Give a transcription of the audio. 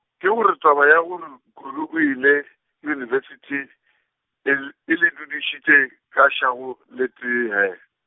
ke gore taba ya gore Kudu o ile, yunibesithing, e l-, e le dudišitše, ka swago, le tee he.